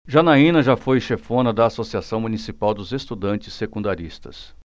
janaina foi chefona da ames associação municipal dos estudantes secundaristas